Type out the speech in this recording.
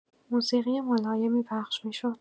موسیقی ملایمی پخش می‌شد.